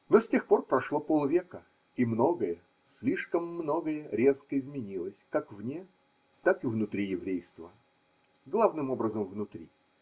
Но с тех пор прошло полвека, и многое, слишком многое резко изменилось как вне, так и внутри еврейства. Главным образом внутри.